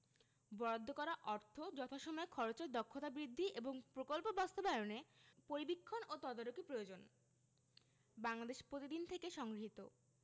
বরাদ্দ করা অর্থ যথাসময়ে খরচের দক্ষতা বৃদ্ধি এবং প্রকল্প বাস্তবায়নে পরিবীক্ষণ ও তদারকি প্রয়োজন বাংলাদেশ প্রতিদিন থেলে সংগৃহীত